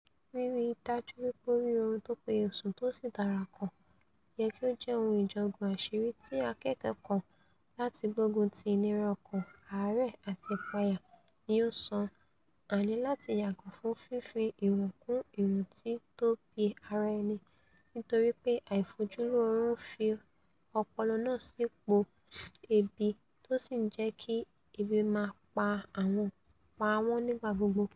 Ríríi dájú wí pé ó rí oorun tópéye sùn, tósì dára kan, yẹ kí ó jẹ́ 'ohun ìjà ogun àṣírí' ti akẹ́kọ̀ọ́ kan láti gbógun ti ìnira-ọkàn, àárẹ̀, àti ìpayà, ni ó sọ - àni láti yàgò fún fífi ìwọn kún ìwọn títóbi ara-ẹni, nítorípe àìfójúlóoorun ńfi ọpọlọ náà sí ipò ebi, tósì ńjẹ́kí ebi máa pa wọ́n nígbà gbogbo.